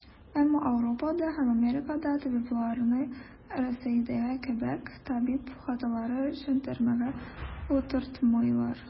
Әмма Ауропада һәм Америкада табибларны, Рәсәйдәге кебек, табиб хаталары өчен төрмәгә утыртмыйлар.